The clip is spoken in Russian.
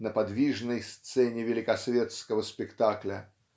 на подвижной сцене великосветского спектакля.